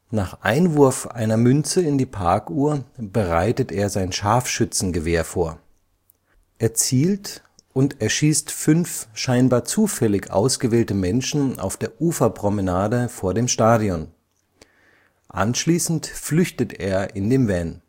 Nach Einwurf einer Münze in die Parkuhr bereitet er sein Scharfschützengewehr vor. Er zielt und erschießt fünf scheinbar zufällig ausgewählte Menschen auf der Uferpromenade vor dem Stadion. Anschließend flüchtet er in dem Van